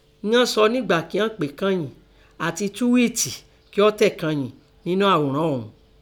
Inan sọ ìngbà kín án pè é kányìn àti túwíìtì kí ọ́ tẹ̀ kanyìn ńnú àòrán ọún.